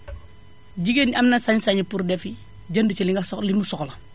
jigéen ñi am na sañ-sañu pour defi jënd si li nga sox li mu soxla